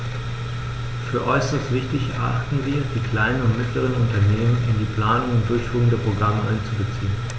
Für äußerst wichtig erachten wir, die kleinen und mittleren Unternehmen in die Planung und Durchführung der Programme einzubeziehen.